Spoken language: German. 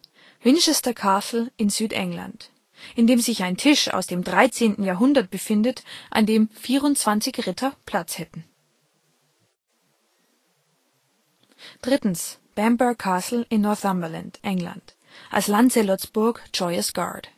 Winchester Castle in Südengland, in dem sich ein Tisch aus dem 13. Jahrhundert befindet, an dem 24 Ritter Platz hätten. Bamburgh Castle in Northumberland, England, als Lanzelots Burg " Joyous Garde